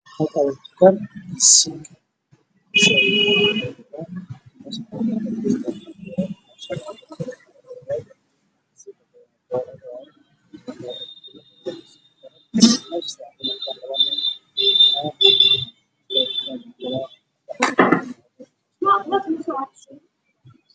Meeshan ku meel dukaanna waxaa iga muuqda looranrka gaduud iyo jaale